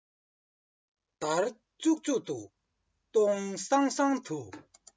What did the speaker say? འདར ལྕུག ལྕུག ཏུ སྟོང སང སང དུ